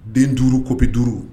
Den duuru ko bɛ duuru